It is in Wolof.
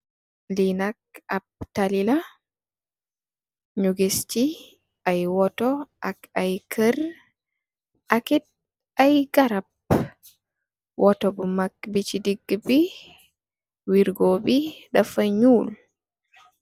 Li nak ap tali la, ñu gis ci ay woto ak ay kèr ak kit ay garap. Woto bu mak bi ci digih bi wirgo bi dafa ñuul.